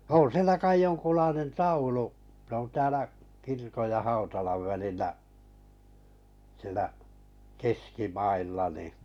on siellä kai jonkunlainen taulu se on täällä kirkon ja hautalan välillä siellä keskimailla niin